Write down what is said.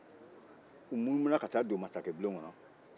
aa u munumununa ka taa don masakɛbulon kɔnɔ